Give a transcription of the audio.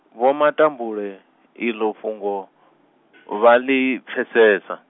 Vho Matambule, iḽo fhungo, vha ḽi, pfesesa.